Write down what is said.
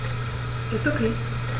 Ist OK.